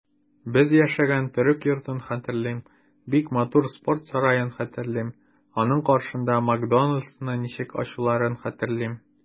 Без яшәгән төрек йортын хәтерлим, бик матур спорт сараен хәтерлим, аның каршында "Макдоналдс"ны ничек ачуларын хәтерлим.